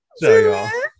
Do it! ...Joio.